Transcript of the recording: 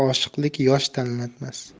oshiqlik yosh tanlatmas